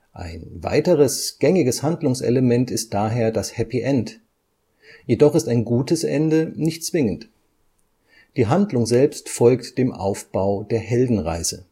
Ein weiteres gängiges Handlungselement ist daher das Happy End, jedoch ist ein gutes Ende nicht zwingend. Die Handlung selbst folgt dem Aufbau der Heldenreise